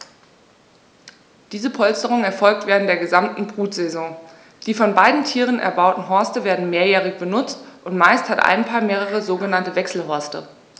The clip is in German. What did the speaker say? Diese Polsterung erfolgt während der gesamten Brutsaison. Die von beiden Tieren erbauten Horste werden mehrjährig benutzt, und meist hat ein Paar mehrere sogenannte Wechselhorste.